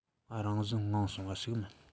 རང བཞིན ངང བྱུང བ ཞིག མིན